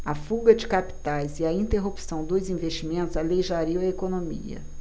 a fuga de capitais e a interrupção dos investimentos aleijariam a economia